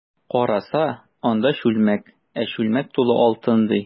Караса, анда— чүлмәк, ә чүлмәк тулы алтын, ди.